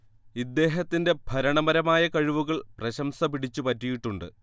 ഇദ്ദേഹത്തിന്റെ ഭരണപരമായ കഴിവുകൾ പ്രശംസ പിടിച്ചുപറ്റിയിട്ടുണ്ട്